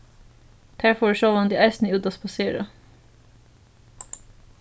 tær fóru sjálvandi eisini út at spasera